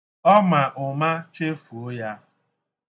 Ọ ma ụma chefuo ya.